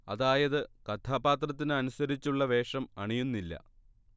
അതായത് കഥാപാത്രത്തിനു അനുസരിച്ചുള്ള വേഷം അണിയുന്നില്ല